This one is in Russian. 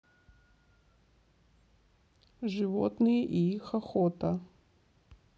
животные и их охота